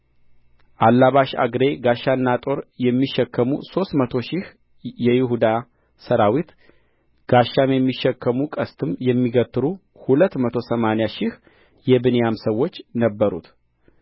አላባሽ አግሬ ጋሻና ጦር የሚሸከሙ ሦስት መቶ ሺህ የይሁዳ ሠራዊት ጋሻም የሚሸከሙ ቀስትም የሚገትሩ ሁለት መቶ ሰማኒያ ሺህ የብንያም ሰዎች ነበሩት